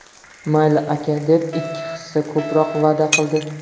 mayli aka deb ikki hissa ko'proq va'da qildi